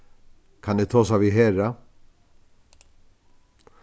kann eg tosa við hera